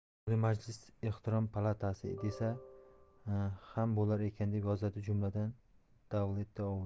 oliy majlis ehtirom palatasi desa ham bo'lar ekan deb yozadi jumladan davletovuz